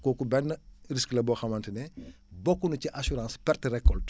kooku benn risque la boo xamante ne bokk na ci assurance perte récolte